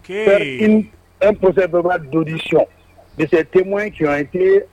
OK Faire une un procès d'audition de ses témoins qui ont été